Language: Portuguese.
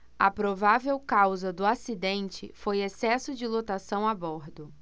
a provável causa do acidente foi excesso de lotação a bordo